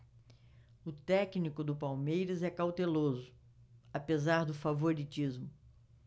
o técnico do palmeiras é cauteloso apesar do favoritismo